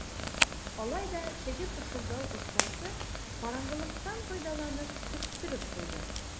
Алай да теге пышылдау остасы караңгылыктан файдаланып төрттереп куйды.